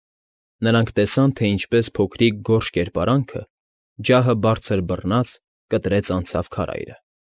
Նրանք տեսան, թե ինչպես փոքրիկ գորշ կերպարանքը, ջահը բարձր բռնած, կտրեց անցավ քարայրը։